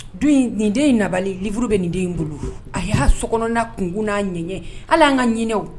Nin den in nabali uru bɛ nin den in bolo a y'a sokkɔnɔ kunkun n'a ɲɛ hali y'an ka ɲinininɛw